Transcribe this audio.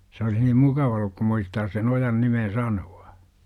se olisi niin mukava ollut kun muistaisi sen ojan nimen sanoa